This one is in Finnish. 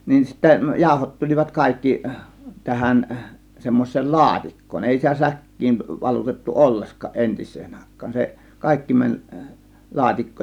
niin sitten jauhot tulivat kaikki tähän semmoiseen laatikkoon ei sitä säkkiin valutettu ollenkaan entiseen aikaan se kaikki meni laatikkoon